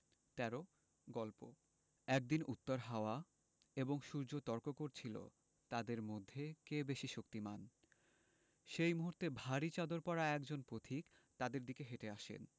১৩ গল্প একদিন উত্তর হাওয়া এবং সূর্য তর্ক করছিল তাদের মধ্যে কে বেশি শক্তিমান সেই মুহূর্তে ভারি চাদর পরা একজন পথিক তাদের দিকে হেটে আসেন